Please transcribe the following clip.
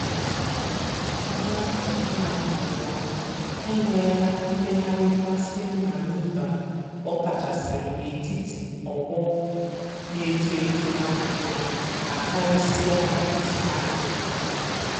N'afọ na-adịbeghị anya, e nweela mmegharị mmasị na Rhumba, ọkachasịrị n'etiti ọgbọ na-eto eto n'Afrịka ma karịsịa na East Africa.